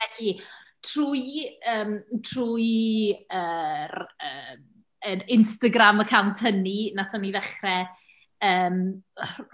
Felly trwy yym... trwy yr yym yr Instagram account hynny wnaethon ni ddechrau yym